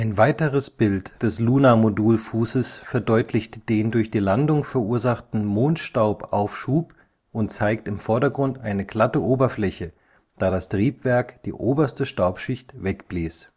dritte Bild des LM-Fußes verdeutlicht den durch die Landung verursachten Mondstaubaufschub und zeigt im Vordergrund eine glatte Oberfläche, da das Triebwerk die oberste Staubschicht wegblies